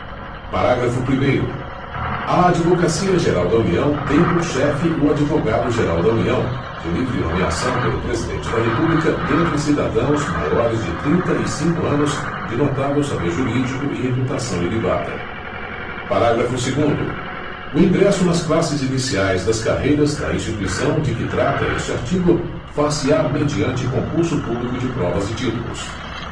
parágrafo primeiro a advocacia geral da união tem por chefe o advogado geral da união de livre nomeação pelo presidente da república dentre cidadãos maiores de trinta e cinco anos de notável saber jurídico e reputação ilibada parágrafo segundo o ingresso nas classes iniciais das carreiras da instituição de que trata este artigo far se á mediante concurso público de provas e títulos